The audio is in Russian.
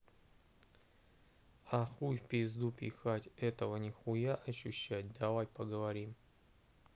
а хуй в пизду пихать этого нихуя не ощущать дай поговорим